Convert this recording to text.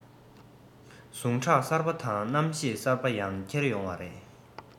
ཟུངས ཁྲག གསར པ དང རྣམ ཤེས གསར པ ཡང ཁྱེར ཡོང བ རེད